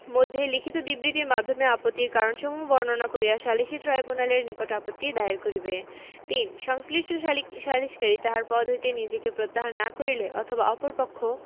মধ্যে লিখিত বিবৃতির মাধ্যমে আপত্তির কারণসমূহ বর্ণনা করিয়া সালিসী ট্রইব্যুনালের নিকট আপত্তি দায়ের করিবে ৩ সংশ্লিষ্ট সালিসকারী তাহার পদ হইতে নিজেকে প্রত্যাহার না করিলে অথবা অপর পক্ষ